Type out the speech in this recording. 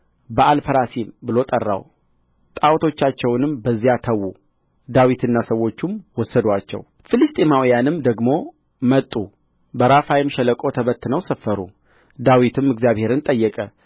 በኣልፐራሲም ብሎ ጠራው ጣዖቶቻቸውንም በዚያ ተዉ ዳዊትና ሰዎቹም ወሰዱአቸው ፍልስጥኤማውያንም ደግሞ መጡ በራፋይምም ሸለቆ ተበትነው ሰፈሩ ዳዊትም እግዚአብሔርን ጠየቀ